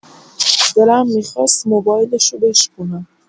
دلم می‌خواست موبایلشو بشکونم.